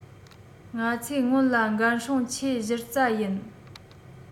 ང ཚོས སྔོན ལ འགན སྲུང ཆེས གཞི རྩ ཡིན